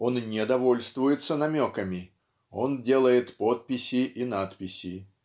он не довольствуется намеками, он делает подписи и надписи.